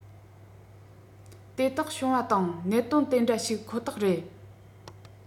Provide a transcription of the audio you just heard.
དེ དག བྱུང བ དང གནད དོན དེ འདྲ ཞིག ཁོ ཐག རེད